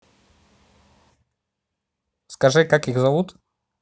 скажи как их зовут